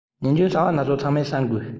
ཉིན རྒྱུན བྱ བ སྣ ཚོགས ཚང མར བསམ དགོས